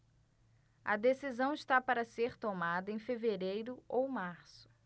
a decisão está para ser tomada em fevereiro ou março